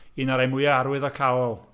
Un o rai mwyaf arwyddocaol.